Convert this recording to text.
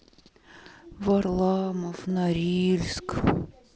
варламов норильск